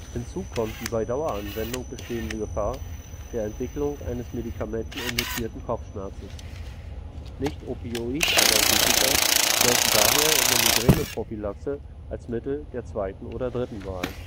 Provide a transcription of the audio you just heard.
Hinzu kommt die bei Daueranwendung bestehende Gefahr der Entwicklung eines medikamenteninduzierten Kopfschmerzes. Nichtopioid-Analgetika gelten daher in der Migräneprophylaxe als Mittel der zweiten oder dritten Wahl